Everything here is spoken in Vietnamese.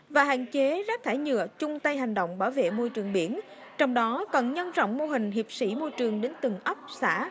và hạn chế rác thải nhựa chung tay hành động bảo vệ môi trường biển trong đó cần nhân rộng mô hình hiệp sĩ môi trường đến từng ấp xã